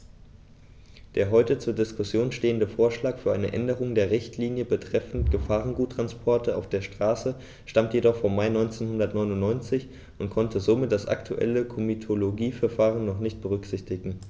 Der heute zur Diskussion stehende Vorschlag für eine Änderung der Richtlinie betreffend Gefahrguttransporte auf der Straße stammt jedoch vom Mai 1999 und konnte somit das aktuelle Komitologieverfahren noch nicht berücksichtigen.